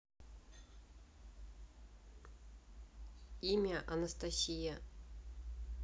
имя анастасия